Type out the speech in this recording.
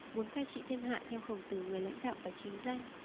muốn cai trị thiên hạ theo khổng tử người lãnh đạo phải chính danh